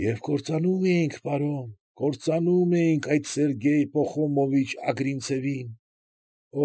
Եվ կործանում էինք, պարոն, կործանում էինք այդ Սերգեյ Պախոմովիչ Ագրինցևին։